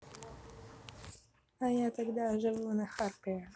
а я тогда живу на харпе